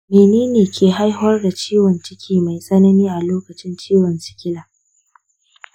menene ke haifar da ciwon ciki mai tsanani a lokacin ciwon sikila ?